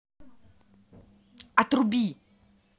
отруби